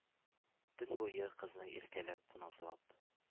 Төн буе, кызны иркәләп, назлап,